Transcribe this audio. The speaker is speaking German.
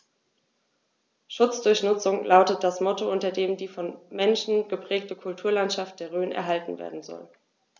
„Schutz durch Nutzung“ lautet das Motto, unter dem die vom Menschen geprägte Kulturlandschaft der Rhön erhalten werden soll.